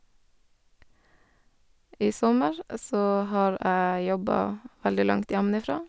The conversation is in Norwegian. I sommer så har jeg jobba veldig langt hjemmefra.